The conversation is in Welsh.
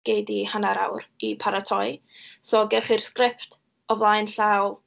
Gei di hanner awr i paratoi, so gewch chi'r sgript o flaen llaw.